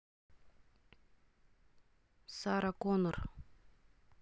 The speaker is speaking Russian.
сара коннор